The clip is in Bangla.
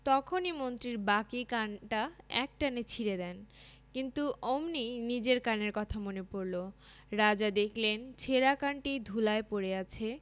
তখনি মন্ত্রীর বাকি কানটা এক টানে ছিড়ে দেন কিন্তু অমনি নিজের কানের কথা মনে পড়ল রাজা দেখলেন ছেঁড়া কানটি ধূলায় পড়ে আছে